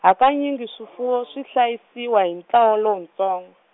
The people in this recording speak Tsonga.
hakanyingi swifuwo swi hlayisiwa hi ntlawa lowuntsongo.